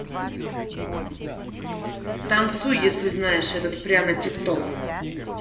танцуй если знаешь этот пряно тик ток